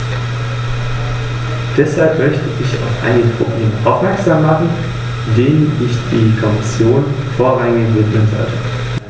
Im Hinblick auf diese Umsetzung müssen wir außerdem angemessene Vereinbarungen mit den osteuropäischen Ländern treffen, da sie erst ab 1. Juli 2001, also in anderthalb Jahren, den entsprechenden Übereinkommen beitreten werden.